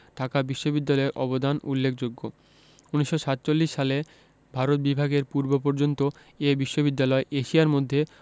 ঢাকা বিশ্ববিদ্যালয়ের অবদান উল্লেখযোগ্য ১৯৪৭ সালে ভারত বিভাগের পূর্বপর্যন্ত এ বিশ্ববিদ্যালয় এশিয়ার মধ্যে